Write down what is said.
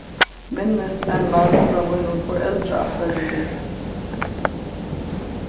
minnist ein mann frá mínum foreldraættarliði